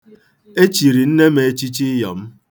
E chiri nne m echichi ịyọm.